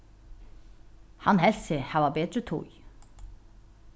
hann helt seg hava betri tíð